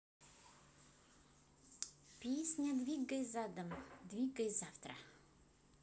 песня двигай задом двигай завтра